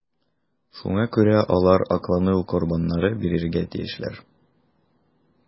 Шуңа күрә алар аклану корбаннары бирергә тиешләр.